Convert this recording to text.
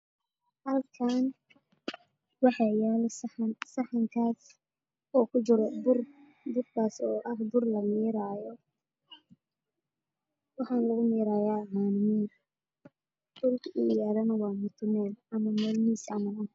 Halkaan waxaa yaalo saxan uu ku jiro bur oo la miirayo oo la dubi rabo burkaas oo badan